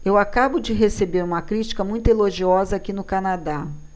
eu acabo de receber uma crítica muito elogiosa aqui no canadá